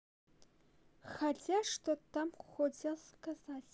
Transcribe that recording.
хотя что там хотел сказать